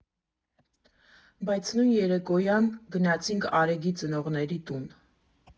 Բայց նույն երեկոյան գնացինք Արեգի ծնողների տուն։